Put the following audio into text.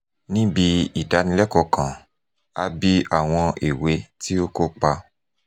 Níbi ìdánilẹ́kọ̀ọ́ kan, a bi àwọn èwe tí ó kópa: